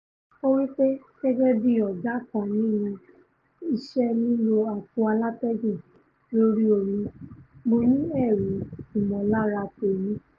ó wí pé ''Gẹ́gẹ́bí ọ̀gá kan nínú iṣẹ́ lílo àpò alátẹ́gùn lórí omi, Mo ní ẹrù ìmọ̀lára tèmi''́.